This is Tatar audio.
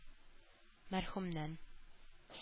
Мәрхүмнән